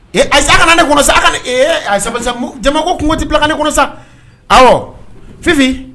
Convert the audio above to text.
Ee asa ka ne sa a jama ko kungo tɛ bila ka ne ko sa ɔ fifin